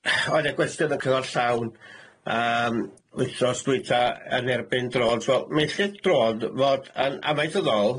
Oedd 'ne gwestiwn yn cyngor llawn yym wythnos dwytha yn erbyn drôns. Wel mi ellith drôn fod yn amaethyddol